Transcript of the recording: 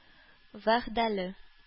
Вәгъдәле